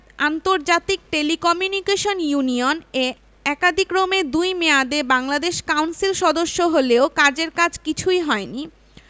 আন্তর্জাতিক telecommunication union এ একাদিক্রমে দুই মেয়াদে বাংলাদেশ কাউন্সিল সদস্য হলেও কাজের কাজ কিছুই হয়নি